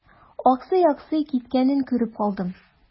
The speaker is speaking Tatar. Аксый-аксый киткәнен күреп калдым.